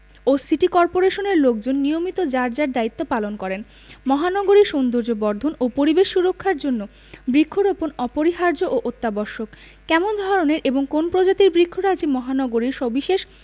ও city কর্পোরেশনের লোকজন নিয়মিত যার যার দায়িত্ব পালন করেন মহানগরীর সৌন্দর্যবর্ধন ও পরিবেশ সুরক্ষার জন্য বৃক্ষরোপণ অপরিহার্য ও অত্যাবশ্যক কেমন ধরনের এবং কোন্ প্রজাতির বৃক্ষরাজি মহানগরীর সবিশেষ